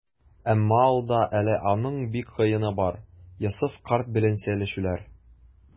Әмма алда әле аның бик кыены бар - Йосыф карт белән сөйләшүләр.